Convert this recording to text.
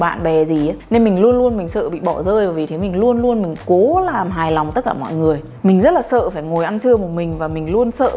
bạn bè gì nên mình luôn luôn mình sợ bị bỏ rơi và vì thế mình luôn luôn mình cố làm hài lòng tất cả mọi người mình rất là sợ phải ngồi ăn trưa một mình và mình luôn sợ